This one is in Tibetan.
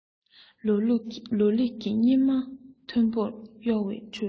ལོ ལེགས ཀྱི སྙེ མ མཐོན པོར གཡོ བའི ཁྲོད དུ